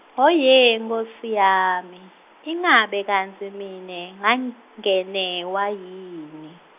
hhohhe nkhosi yami, ingabe kantsi mine ngangenwa yini?